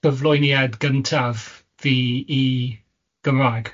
byflwyniad gyntaf fi i Gymraeg.